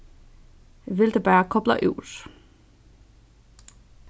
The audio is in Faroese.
vildi bara kobla úr